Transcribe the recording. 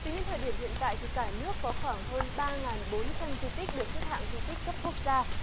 tính đến thời điểm hiện tại thì cả nước có khoảng hơn ba nghìn bốn trăm di tích được xếp hạng di tích cấp quốc gia